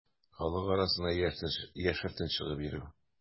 Халык арасына яшертен чыгып йөрү.